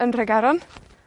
yn Nhregaron,